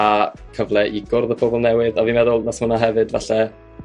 a cyfle i gwrdd â pobol newydd a fi'n meddwl nath hwnna hefyd falle